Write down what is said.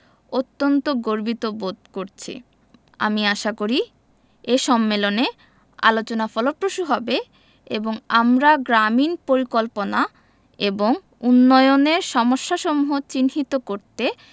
অত্যন্ত গর্বিত বোধ করছি আমি আশা করি এ সম্মেলনে আলোচনা ফলপ্রসূ হবে এবং আমরা গ্রামীন পরিকল্পনা এবং উন্নয়নের সমস্যাসমূহ চিহ্নিত করতে